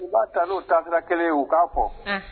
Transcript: U b'a ta n'u taksira kelen u'a fɔ